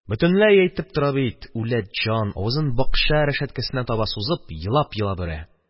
Бөтенләй әйтеп тора бит, үләт җан, авызын бакча рәшәткәсенә таба сузып, елап-елап өрә.